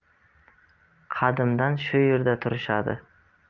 qadimdan shu yerda turishadi